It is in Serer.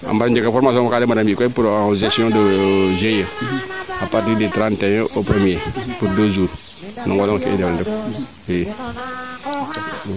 a mbaa jega formation ka de mbarna mbi koy pour gestion de GIE a partir du 31 au premier pour deux jours no ngolo ngene i ndefna ndef i